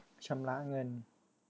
ชำระเงิน